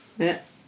Ia.